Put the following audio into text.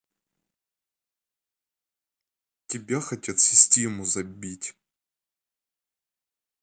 тебя хотят систему забить